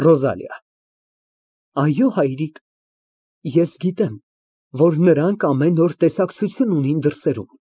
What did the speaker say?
ՌՈԶԱԼԻԱ ֊ Այո, հայրիկ։ Ես գիտեմ, որ նրանք ամեն օր տեսակցություն ունեն դրսերում։